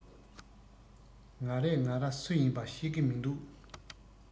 ང རས ང ར སུ ཡིན པ ཤེས གི མི འདུག